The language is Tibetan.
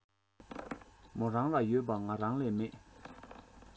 མོ རང ལ ཡོད པ ང རང ལས མེད